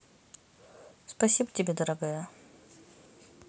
спасибо тебе дорогая